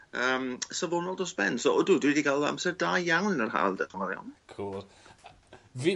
yym safonol dros ben so odw dwi 'di ga'l amser da iawn yn yr haul dioch yn fawr iawn. Cŵl. Yy yy fi